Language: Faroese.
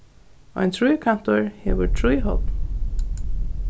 ein tríkantur hevur trý horn